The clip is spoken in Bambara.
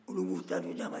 olu b'u ta dun i dan ma